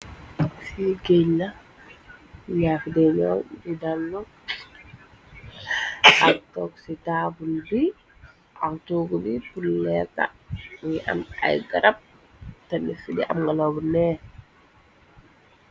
Ci géy la ñaafi deñoo bi danlu, ak toog ci taabul bi, ak toogu bi pulleeta, ngi am ay garab, tenne ci di am ngalobu nee.